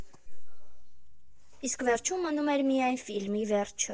Իսկ վերջում մնում էր միայն «Ֆիլմի վերջը»։